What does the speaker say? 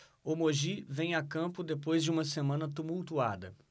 o mogi vem a campo depois de uma semana tumultuada